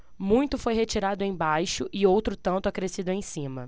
muito foi retirado embaixo e outro tanto acrescido em cima